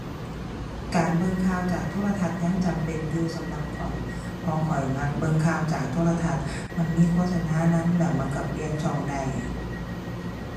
การเบิ่งข่าวจากโทรทัศน์ยังจำเป็นอยู่สำหรับข้อย เพราะข้อยมักเบิ่งข่าวจากโทรทัศน์ มันมีโฆษณานำแล้วมันก็เปลี่ยนช่องได้